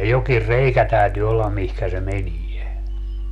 jokin reikä täytyy olla mihin se menee